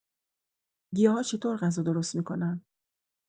گیاها چطور غذا درست می‌کنن؟